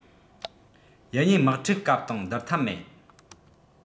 དབྱི གཉིས དམག འཁྲུག སྐབས དང སྡུར ཐབས མེད